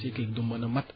cycle bi du mun a mot